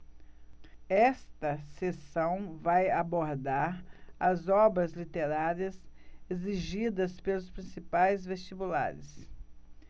esta seção vai abordar as obras literárias exigidas pelos principais vestibulares